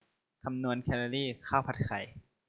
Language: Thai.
คำนวณแคลอรี่ข้าวผัดไข่